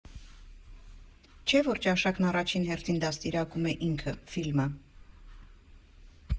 Չէ՞ որ ճաշակն առաջին հերթին դաստիարակում է ինքը՝ ֆիլմը»։